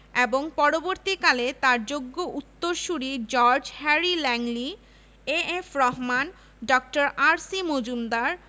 ভারত সরকার ক্যাপিটেল খাতে বিশ্ববিদ্যালয়ের জন্য ৫ কোটি ৬০ লাখ টাকার ফান্ড বাংলা সরকারের কাছে হস্তান্তর করলেও প্রভাস মিত্র ওই ফান্ড প্রাদেশিক ফান্ডেলর সাথে মিলিয়ে